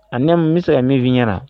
A ne mun bɛ se minf ɲɛnaɲɛna na